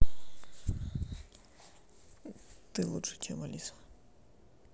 ты лучше чем алиса